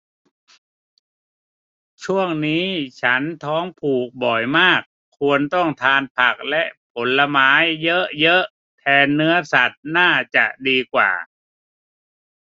ช่วงนี้ฉันท้องผูกบ่อยมากควรต้องทานผักและผลไม้เยอะเยอะแทนเนื้อสัตว์น่าจะดีกว่า